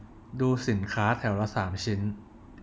ดูสินค้าแถวละสามชิ้น